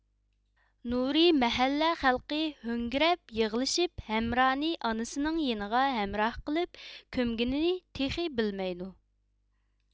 نۇرى مەھەللە خەلقى ھۆڭگىرەپ يىغلىشىپ ھەمرانى ئانىسىنىڭ يېنىغا ھەمراھ قىلىپ كۆمگىنىنى تېخى بىلمەيدۇ